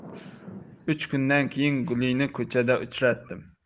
uch kundan keyin gulini ko'chada uchratdim